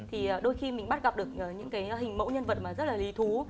thì đôi khi mình bắt gặp được những cái hình mẫu nhân vật mà rất là lý thú